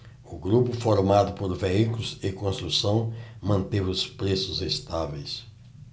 o grupo formado por veículos e construção manteve os preços estáveis